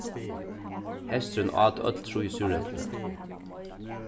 hesturin át øll trý súreplini